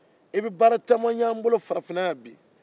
i bɛ baara caman y'an bolo farafinna yan bi